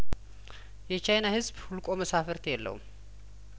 የቻይና ህዝብ ሁልቆ መሳፍርት የለውም